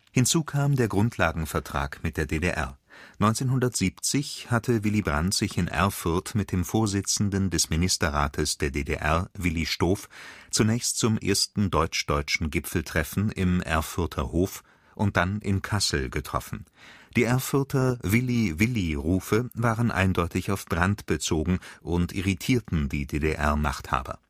Hinzu kam der Grundlagenvertrag mit der DDR. 1970 hatte er sich in Erfurt mit dem Vorsitzenden des Ministerrates der DDR Willi Stoph zunächst zum ersten deutsch-deutschen Gipfeltreffen im Erfurter Hof und dann in Kassel getroffen. Die Erfurter „ Willy, Willy “- Rufe waren eindeutig auf Brandt bezogen und irritierten die DDR-Machthaber